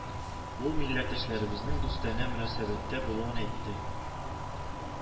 Ул милләттәшләребезнең дустанә мөнәсәбәттә булуын әйтте